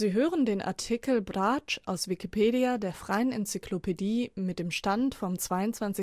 hören den Artikel Brač, aus Wikipedia, der freien Enzyklopädie. Mit dem Stand vom Der